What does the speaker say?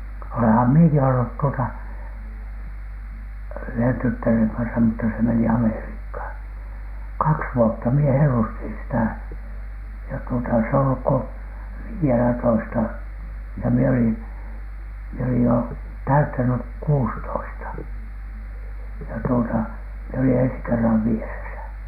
olenhan minäkin ollut tuota yhden tyttären kanssa mutta se meni Amerikkaan kaksi vuotta minä hellustin sitä ja tuota se ei ollut kuin viidellätoista ja minä olin minä olin jo täyttänyt kuusitoista ja tuota minä olin ensi kerran vieressä